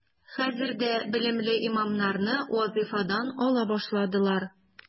Хәзер дә белемле имамнарны вазифадан ала башладылар.